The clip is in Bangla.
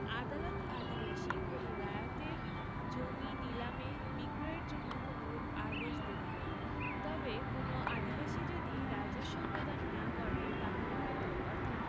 আদালত আদিবাসী কোন রায়তের জমি নিলামে বিক্রয়ের জন্য কোনরূপ আদেশ দেবেনা তবে কোনও আদিবাসী যদি রাজস্ব প্রদান না করে তাহলে হয়ত অর্থাৎ